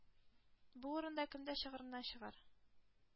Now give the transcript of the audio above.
Бу урында кем дә чыгарыннан чыгар...